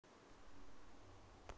как изменились сваты